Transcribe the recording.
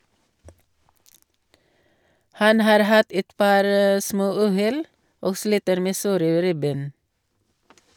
Han har hatt et par småuhell og sliter med såre ribben.